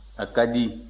a ka di